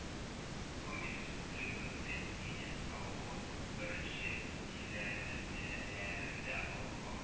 Коми Республикасы, Ненец АО бер биләмәләрендә ага